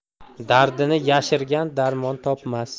dardini yashirgan darmon topmas